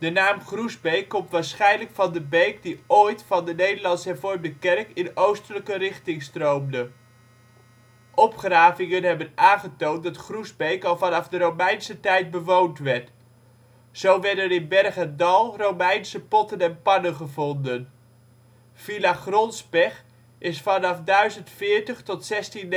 naam Groesbeek komt waarschijnlijk van de beek die ooit van de NH Kerk in oostelijke richting stroomde. Opgravingen hebben aangetoond dat Groesbeek al vanaf de Romeinse tijd bewoond werd. Zo werden in Berg en Dal Romeinse potten en pannen gevonden. Villa Gronspech is vanaf 1040 tot 1699